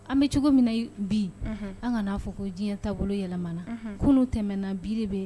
An bɛ cogo min na bi, an kan'a fɔ ko diiɲɛ taabolo yɛlɛmana kunun tɛmɛna bi de bɛ yen